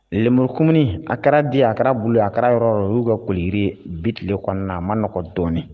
Burukuni a kɛra di a kɛra bolo a kɛra yɔrɔ y'u ka koliiri biti kɔnɔna a ma nɔgɔn dɔɔnin